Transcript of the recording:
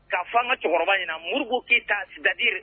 Ka fɔ ka cɛkɔrɔba ɲɛna muru ko k'yita taa sidadi